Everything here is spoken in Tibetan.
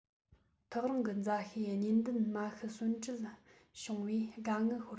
ཐག རིང གི མཛའ བཤེས གཉེན འདུན མ ཤི གསོན ཕྲད བྱུང བས དགའ ངུ ཤོར བ